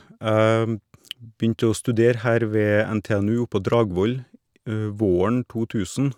Jeg begynte å studere her ved NTNU oppå Dragvoll våren to tusen.